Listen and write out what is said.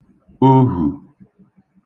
ohù